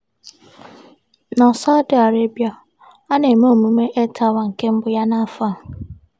Na Saudi Arabia, a na-eme emume Earth Hour nke mbụ ya n'afọ a.